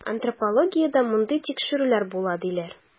Антропологиядә мондый тикшерүләр була, диләр.